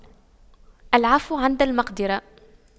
العفو عند المقدرة